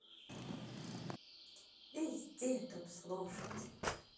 везде топ слушать